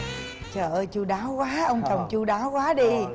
trời ơi chu đáo góa ông chồng chu đáo góa đi